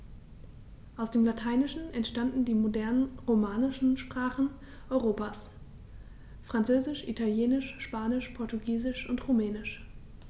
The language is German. Aus dem Lateinischen entstanden die modernen „romanischen“ Sprachen Europas: Französisch, Italienisch, Spanisch, Portugiesisch und Rumänisch.